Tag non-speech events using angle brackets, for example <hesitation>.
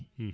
<hesitation> <hesitation>